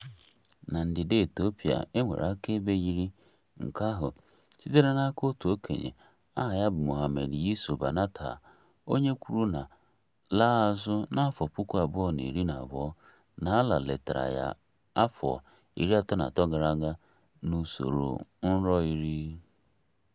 Na ndịda Etiopia, enwere akaebe yiri nke ahụ sitere n'aka otu okenye aha ya bụ Mohammed Yiso Banatah, onye kwuru na laa azụ na 2012 na Allah letara ya afọ 33 gara aga n'usoro nrọ iri.